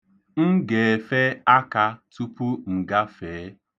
M ga-efe aka tupu m gafee.